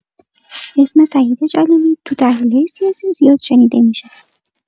اسم سعید جلیلی تو تحلیلای سیاسی زیاد شنیده می‌شه.